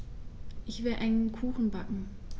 Ich will einen Kuchen backen.